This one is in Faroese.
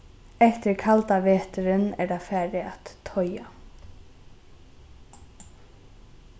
eftir kalda veturin er tað farið at toya